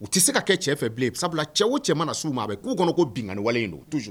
U tɛ se ka kɛ cɛfɛ bilen sabula cɛ wo cɛ su ma a bɛ k'u kɔnɔ ko bini walelen don